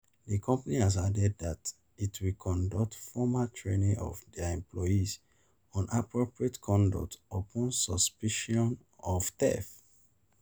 The company has added that it will conduct formal training of their employees on appropriate conduct upon suspicion of theft.